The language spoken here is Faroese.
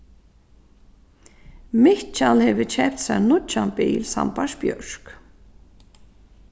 mikkjal hevur keypt sær nýggjan bil sambært bjørk